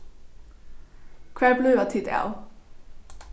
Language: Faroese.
hvar blíva tit av